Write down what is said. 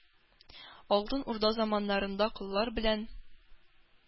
Алтын Урда заманнарында коллар белән